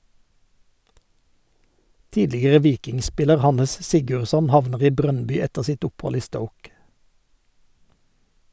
Tidligere Viking-spiller Hannes Sigurdsson havner i Brøndby etter sitt opphold i Stoke.